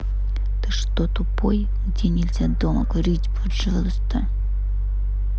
ты что тупой где нельзя дома курить пожалуйста